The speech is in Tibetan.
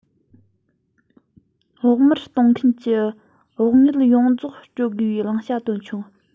བོགས མར གཏོང མཁན གྱིས བོགས དངུལ ཡོངས རྫོགས སྤྲོད དགོས པའི བླང བྱ བཏོན ཆོག